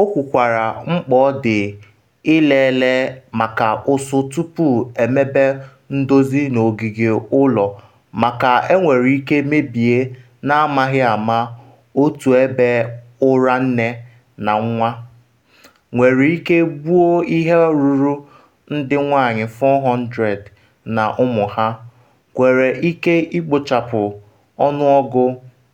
O kwukwara mkpa ọ dị ilele maka ụsụ tupu emebe ndozi n’ogige ụlọ maka enwere ike mebie n’amaghị ama otu ebe ụra nne na nwa, nwere ike gbuo ihe ruru ndị nwanyị 400 na ụmụ ha, nwere ike ikpochapu ọnụọgụ